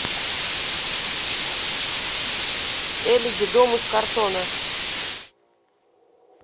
элиди дом из картона